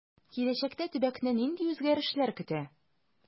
Киләчәктә төбәкне нинди үзгәрешләр көтә?